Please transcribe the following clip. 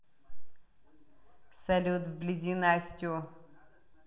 салют вблизи настю